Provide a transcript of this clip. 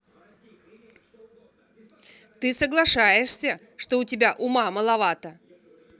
ты соглашаешься что у тебя ума маловата